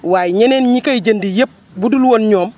waaye ñeneen ñi koy jënd yëpp budul woon ñoom